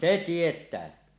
se tietää